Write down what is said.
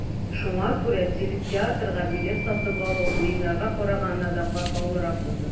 Шуңа күрә телетеатрга билет сатып алу, Уеннарга караганда да катлаулырак булды.